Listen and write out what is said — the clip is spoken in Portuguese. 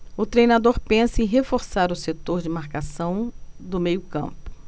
o treinador pensa em reforçar o setor de marcação do meio campo